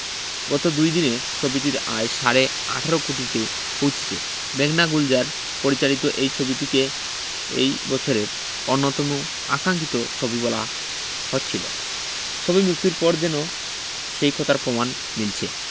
গত দুই দিনে ছবিটির আয় সাড়ে ১৮ কোটিতে পৌঁছেছে মেঘনা গুলজার পরিচালিত এই ছবিটিকে এই বছরের অন্যতম আকাঙ্খিত ছবি বলা হচ্ছিল ছবি মুক্তির পর যেন সেই কথার প্রমাণ মিলছে